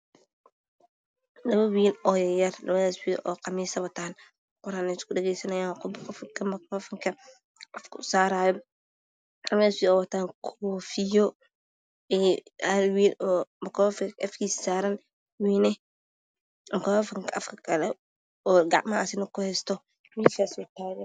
Labo wiil oo yar yar oo qamiisyo wataan oo Qur'an iskadhageysanayo. Waxay wataan koofiyo oo makaroofanka midi gacanta kuheysto midna afka u saaran yahay.